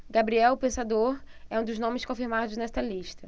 gabriel o pensador é um dos nomes confirmados nesta lista